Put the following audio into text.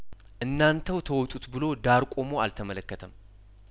እናንተው ተወጡት ብሎ ዳር ቆሞ አልተመለከተም